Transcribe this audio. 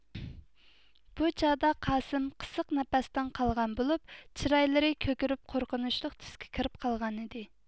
بۇ چاغدا قاسىم قىسىق نەپەستىن قالغان بولۇپ چىرايلىرى كۆكىرىپ قورقۇنۇچلۇق تۈسكە كىرىپ قالغانىدى